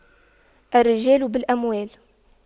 الرجال بالأموال